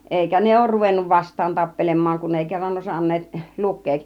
eikä ne ole ruvennut vastaan tappelemaan kun ei kerran osanneet lukea